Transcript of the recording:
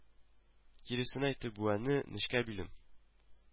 Киресен әйтү бүәнне нечкә билем